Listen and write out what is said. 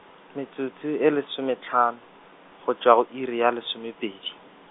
metsotso e lesomehlano, go tšwa go iri ya lesomepedi.